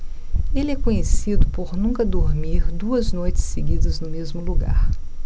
ele é conhecido por nunca dormir duas noites seguidas no mesmo lugar